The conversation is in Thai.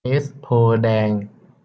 เอซโพธิ์แดง